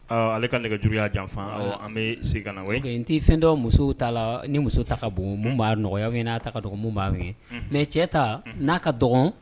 Awɔ, ale ka nɛgɛjuru y'a janfan. Awɔ an bɛ segin ka na. Oui? n ti fɛn dɔn musow ta la. Ni muso ta ka bon mun b'a nɔgɔya; unhun Ou bien n'a ta ka dɔgɔ mun b'a wuli. mais ; unhun cɛ ta, n'a ka dɔgɔ